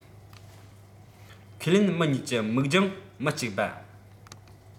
ཁས ལེན མི གཉིས ཀྱི མིག རྒྱང མི གཅིག པ